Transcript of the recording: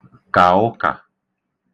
kà ụkà